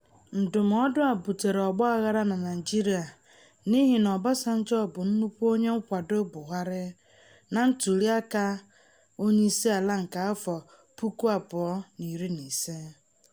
Ndụmọdụ a butere ọgbaghara na Naịjirịa n'ihi na Obasanjo bụ nnukwu onye nkwado Buhari na ntụliaka onyeisiala nke afọ 2015.